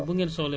ñu jox